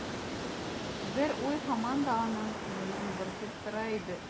Бер уй һаман да аның күңелен борчып тора иде.